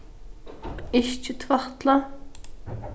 ikki tvætla